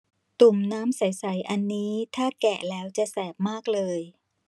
ตุ่มน้ำใสใสอันนี้ถ้าแกะแล้วจะแสบมากเลย